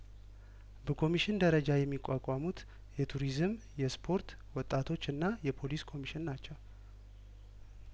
በኮሚሽን ደረጃ የሚቋቋሙት የቱሪዝም የስፖርት ወጣቶች እና የፖሊስ ኮሚሽን ናቸው